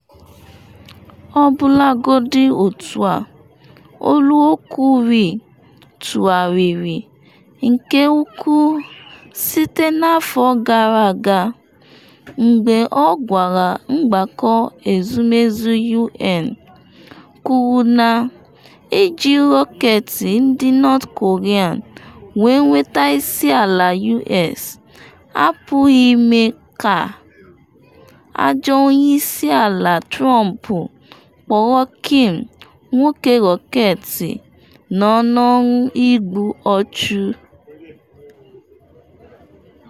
Ọbụlagodi otu a, olu okwu Ri tụgharịrị nke ukwuu site na afọ gara aga, mgbe ọ gwara Mgbakọ Ezumezu U.N. kwuru na iji rọketị ndị North Korea wee nweta isi ala U.S. apụghị ime, ka “Ajọ Onye Isi Ala” Trump kpọrọ Kim “nwoke rọketị” nọ n’ọrụ igbu ọchụ.